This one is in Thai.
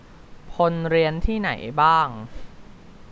พลเรียนที่ไหนบ้าง